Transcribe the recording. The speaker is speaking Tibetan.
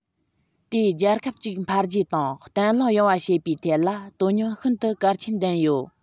དེ རྒྱལ ཁབ ཅིག འཕེལ རྒྱས དང བརྟན ལྷིང ཡོང བ བྱེད པའི ཐད ལ དོན སྙིང ཤིན ཏུ གལ ཆེན ལྡན ཡོད